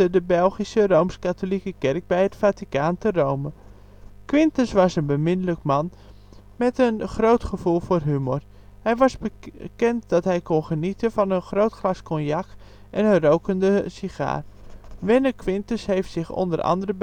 de Belgische Rooms-Katholieke kerk bij het Vaticaan te Rome. Quintens was een beminnelijk man met een groot gevoel voor humor. Het was bekend dat hij kon genieten van een goed glas cognac en een rokende sigaar. Werner Quintens heeft zich onder andere